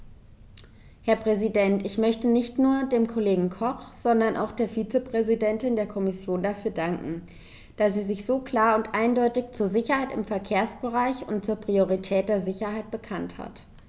Herr Präsident, ich möchte nicht nur dem Kollegen Koch, sondern auch der Vizepräsidentin der Kommission dafür danken, dass sie sich so klar und eindeutig zur Sicherheit im Verkehrsbereich und zur Priorität der Sicherheit bekannt hat.